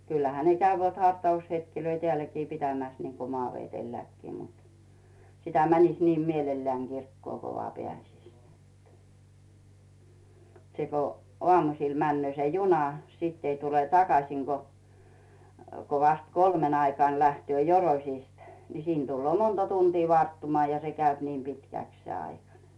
kyllähän ne käyvät hartaushetkiä täälläkin pitämässä niin kuin Maavedelläkin mutta sitä menisi niin mielellään kirkkoon kun vain pääsisi se kun aamusilla menee se juna sitten ei tule takaisin kuin kuin vasta kolmen aikaan lähtee Joroisista niin siinä tulee monta tuntia varttumista ja se käy niin pitkäksi se aika niin